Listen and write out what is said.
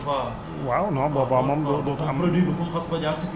mais yéen daal fu ngeen xas ba jaar rekk am ngeen yaakaar ne foofu moom sax bi mënatu faa